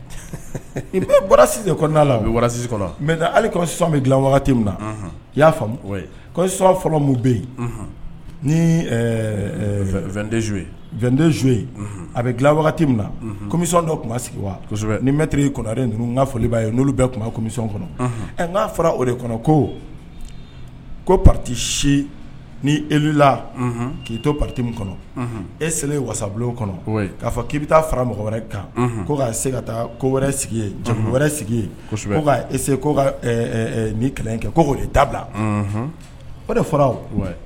Bɔrasi mɛ ali sɔn bɛ i y'a fɔlɔ bɛ yeno a bɛ nami dɔ tun sigi ni ninnu n ka foli' ye nolu bɛ tunmi kɔnɔ n'a fɔra o de kɔnɔ ko ko patisi nila k'i to pati min kɔnɔ e selen wasabu kɔnɔ k'a fɔ k'i bɛ taa fara mɔgɔ wɛrɛ kan ko' se ka taa ko wɛrɛ sigi wɛrɛ sigi ni kɛ ko da bila o de fɔra